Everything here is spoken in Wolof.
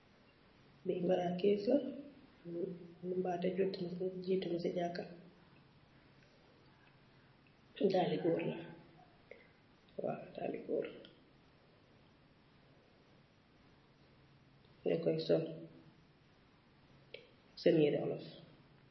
Bii marakiss lah. Mba kittu ma si jakhah. Dali gorr la wow Dali gorr. Nyung koh shol ak sen yeereh Wolof.